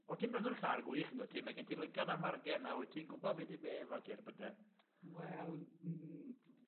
O ti'n brynwr car gwych yndwyt ti mae gen ti lygaid am fargen a wyt ti'n gwbod be' 'di be' efo cerbyde. Wel n- n-